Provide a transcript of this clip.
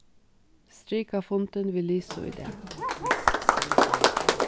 strika fundin við lisu í dag